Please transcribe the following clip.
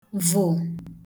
vụ̀